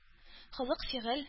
Холык-фигыль